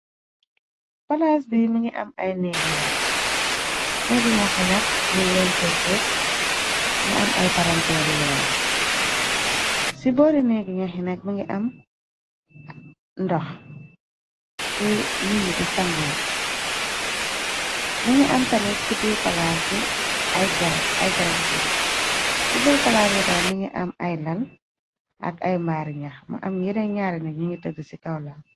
Palaas bi mi ngi am aynéggi ñaxi nak ñuñ leen pentir ñu am ay palanteeri reer ci boori neggi ñaxi nag mi ngi am ndox fi niñi di sangoor mi ngi am tamit ci biir palas bi ay garabi si bi ci biir palaas bi tay mi ngi am ay lal ak ay mbaari ñax mu am yeneen ñaari ndi ñu ngi tëgg ci kawla.